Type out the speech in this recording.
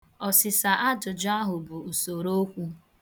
Ọsịsa ajụjụ ahụ bụ usorookwu